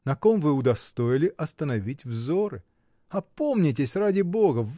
на ком вы удостоили остановить взоры! Опомнитесь, ради Бога!